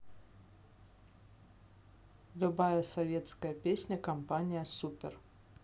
любая советская песня компания супер